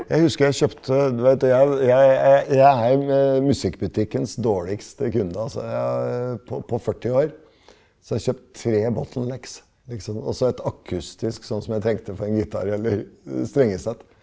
jeg husker jeg kjøpte du veit jeg er jo jeg jeg er jo musikkbutikkens dårligste kunder altså jeg på på 40 år så har jeg har kjøpt tre bottlenecks liksom, også et akustisk sånn som jeg trengte for en gitar eller strengesett.